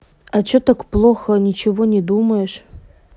а че так плохо ничего не думаешь